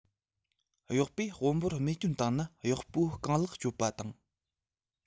གཡོག པོས དཔོན པོར རྨས སྐྱོན བཏང ན གཡོག པོའི རྐང ལག གཅོད པ དང